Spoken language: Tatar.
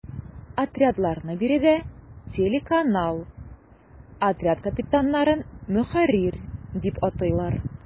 Отрядларны биредә “телеканал”, отряд капитаннарын “ мөхәррир” дип атыйлар.